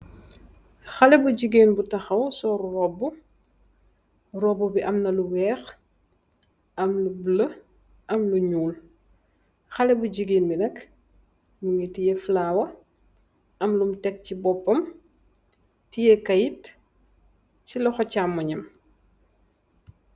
Xale bu jigéen bu taxaw sooru robb robb bi amna lu weex am lu blë am lu ñuul xale bu jigéen bi nag mi ngi tiyé flawa am lum teg ci boppam tiye kayit ci la xo càmmoñam